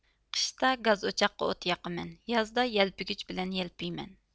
قىشتا گاز ئوچاققا ئوت ياقىمەن يازدا يەلپۈگۈچ بىلەن يەلپۈيمەن